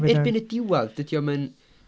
Erbyn y diwedd, dydy o'm yn...